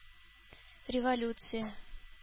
Революция